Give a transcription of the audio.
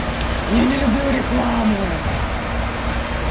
а я не люблю рекламу